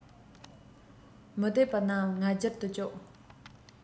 མུ སྟེགས པ རྣམས ང རྒྱལ དུ བཅུག